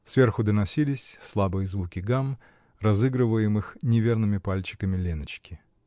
Сверху доносились слабые звуки гамм, разыгрываемых неверными пальчиками Леночки.